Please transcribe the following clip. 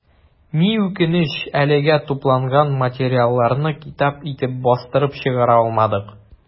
Ни үкенеч, әлегә тупланган материалларны китап итеп бастырып чыгара алмадык.